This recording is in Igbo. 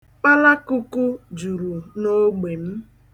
Kpalakuku juru n'ogbe m.